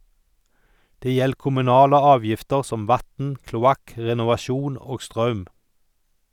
Det gjeld kommunale avgifter som vatn, kloakk, renovasjon og straum.